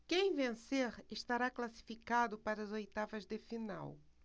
quem vencer estará classificado para as oitavas de final